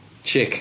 Chick.